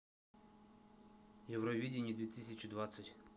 евровидение две тысячи двадцать